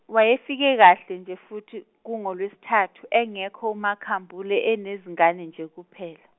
wayefike kahle nje futhi, kungolwesithathu, engekho uMakhambule enezingane nje kuphela.